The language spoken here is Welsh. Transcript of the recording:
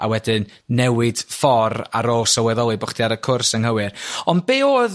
a wedyn newid ffor' ar ôl sylweddoli bo' chdi ar y cwrs anghywir ond be' oedd